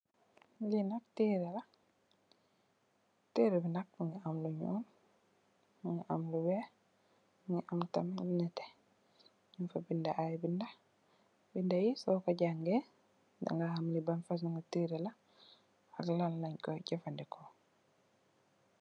Li nak teré la, teré bi nak mugii am lu ñuul mugii am lu wèèx, mugii am tamit lu netteh. Ñing fa bindé ay bindé, bindé yi so ko jangèè di ga xam li ban fasungi teré la ak lan lañ koy jafandiko.